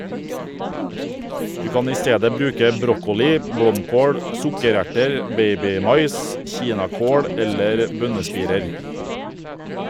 Du kan i stedet bruke brokkoli, blomkål, sukkererter, babymais, kinakål eller bønnespirer.